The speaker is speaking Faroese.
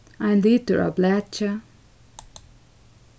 ein litur av blaki